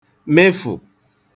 mịfụ̀